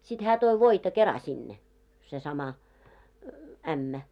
sitten hän toi voita kerran sinne se sama ämmä